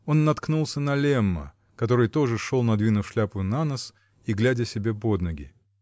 Он наткнулся на Лемма, который тоже шел, надвинув шляпу на нос и глядя себе под ноги.